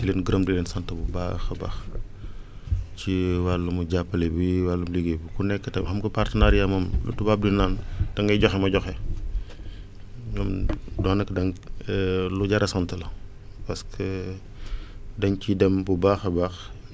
di leen gërëm di leen sant bu baax a baax si wàllum jàppale bi wàllum liggéey bi ku nekk tam xam nga partenariat moom li tubaab di naan da ngay joxe ma joxe ñoom daanaka lu jar a sant la parce que dañ ci dem bu baax a baax